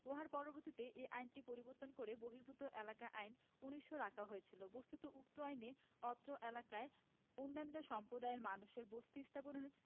উহার পরবর্তীতে ঐ আইনটি পরিবর্তন করে বহির্ভূত এলাকা আইন ১৯০০ রাখা হয়েছিল বস্তুত উক্ত আইনে অত্র এলাকায় অন্যান্য সম্প্রদায়ের মানুষের বসতী স্থাপন